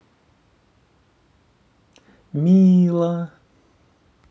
мило